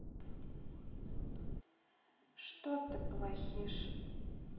что ты плохишь